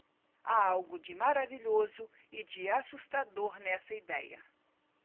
há algo de maravilhoso e de assustador nessa idéia